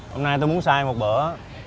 hôm nay tôi muốn say một bữa